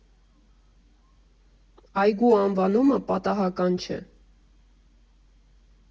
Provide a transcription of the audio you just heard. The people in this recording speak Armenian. Այգու անվանումը պատահական չէ.